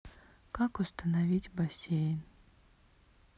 как установить бассейн